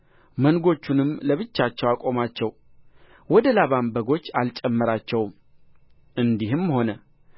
መንጎቹንም ለብቻቸው አቆማቸው ወደ ላባም በጎች አልጨመራቸውም እንዲህም ሆነ